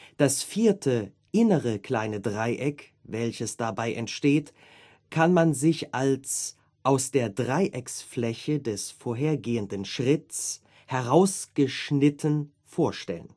Das vierte „ innere “kleine Dreieck, welches dabei entsteht, kann man sich als aus der Dreiecksfläche des vorhergehenden Schritts „ herausgeschnitten “vorstellen